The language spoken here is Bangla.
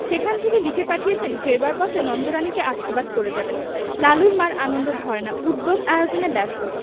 সেখান থেকে লিখে পাঠিয়েছেন ফেরবার পথে নন্দরানীকে আশীর্বাদ করে যাবেন লালুর মার আনন্দ ধরে না উদ্যোগ আয়োজনে ব্যস্ত